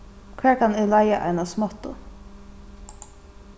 hvar kann eg leiga eina smáttu